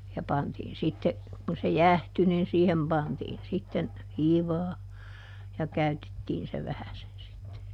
ja pantiin sitten kun se jäähtyi niin siihen pantiin sitten hiivaa ja käytettiin se vähäisen sitten